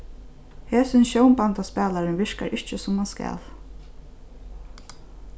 hesin sjónbandaspælarin virkar ikki sum hann skal